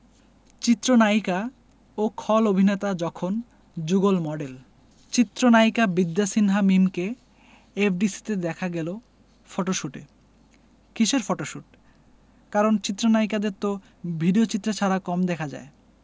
চিত্রনায়িকা ও খল অভিনেতা যখন যুগল মডেল চিত্রনায়িকা বিদ্যা সিনহা মিমকে এফডিসিতে দেখা গেল ফটোশুটে কিসের ফটোশুট কারণ চিত্রনায়িকাদের তো ভিডিওচিত্রে ছাড়া কম দেখা যায়